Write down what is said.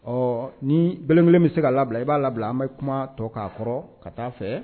Ɔɔ ni bɛLɛn bɛlɛn bi se kaa labila i b'a labila an bɛ kuma tɔ k'a kɔrɔ ka taa a fɛ